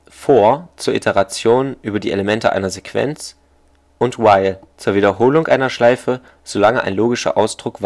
for zur Iteration über die Elemente einer Sequenz while zur Wiederholung einer Schleife, solange ein logischer Ausdruck